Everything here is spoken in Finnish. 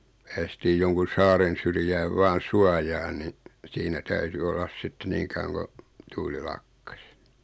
päästiin jonkun saaren syrjään vain suojaan niin siinä täytyi olla sitten niin kauan kun tuuli lakkasi